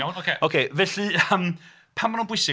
Iawn, ocê... Felly, yym, pan ma' nhw'n bwysig?